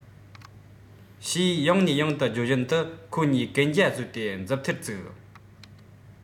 ཞེས ཡང ནས ཡང དུ བརྗོད བཞིན དུ ཁོ གཉིས གན རྒྱ བཟོས ཏེ མཛུབ ཐེལ བཙུགས